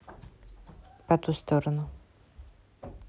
по ту сторону